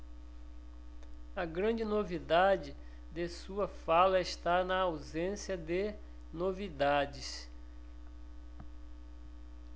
a grande novidade de sua fala está na ausência de novidades